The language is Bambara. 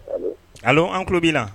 A an tulo bɛ na